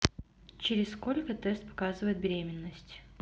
через сколько тест показывает беременность